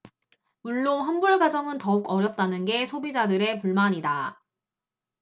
물론 환불과정은 더욱 어렵다는 게 소비자들의 불만이다